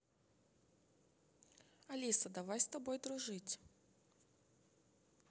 алиса давай с тобой дружить